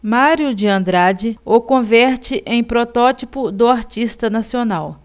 mário de andrade o converte em protótipo do artista nacional